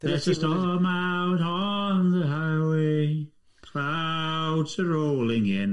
There's a storm out on the highway, clouds are rolling in,